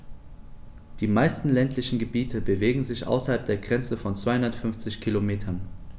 Die meisten ländlichen Gebiete bewegen sich außerhalb der Grenze von 250 Kilometern.